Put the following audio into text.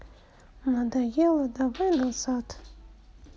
надоело давай назад